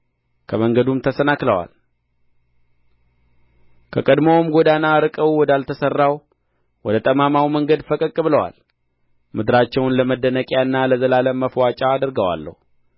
ከመንገዱም ተሰናክለዋል ከቀድሞውም ጐዳና ርቀው ወዳልተሠራው ወደ ጠማማው መንገድ ፈቀቅ ብለዋል ምድራቸውን ለመደነቂያና ለዘላለም ማፍዋጫ አድርገዋል